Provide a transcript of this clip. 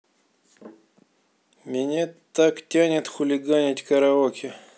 меня так тянет хулиганить караоке